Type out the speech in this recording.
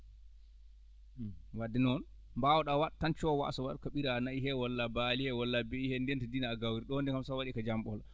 wadde noon mbawɗaa waɗ tan coowa ko ɓiraa nayi hee walla baali hee walla beyi hee ndentindinaa gawri ɗo nde kam so waɗii ko jam ɓolo